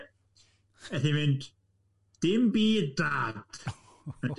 A wnes i fynd, dim byd dad.